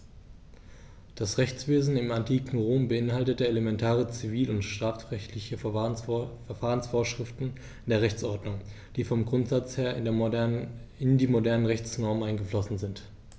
Das Rechtswesen im antiken Rom beinhaltete elementare zivil- und strafrechtliche Verfahrensvorschriften in der Rechtsordnung, die vom Grundsatz her in die modernen Rechtsnormen eingeflossen sind.